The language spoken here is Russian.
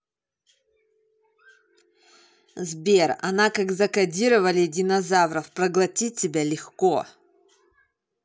сбер она как закодировали динозавров проглотить тебя легко